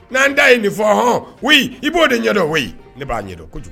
N'an da ye nin fɔ hɔn i b'o de ɲɛdɔn o wo ne b'a ɲɛdɔn kojugu